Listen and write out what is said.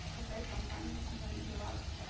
Кытай компаниясенең “ЕлАЗ”